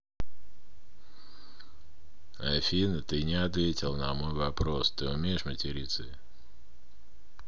афина ты не ответила на мой вопрос ты умеешь материться